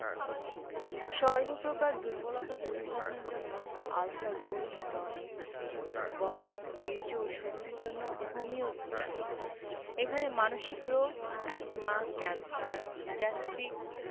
সর্ব প্রকার দুর্বলতা দূরীকরণের জন্য আল্ ফা গোল্ড টনিক –বল বীর্য ও শক্তির জন্য হোমিও ভিটামিন এখানে মানসিক রোগ এ্যজমা ক্যান্সার গ্যাস্ট্রিক